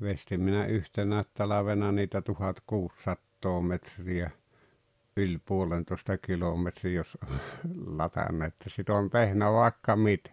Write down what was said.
veistin minä yhtenä talvena niitä tuhatkuusisataa metriä yli puolentoista kilometriä jos - että sitä olen tehnyt vaikka mitä